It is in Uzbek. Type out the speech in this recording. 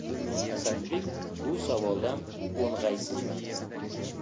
asadbek bu savoldan o'ng'aysizlandi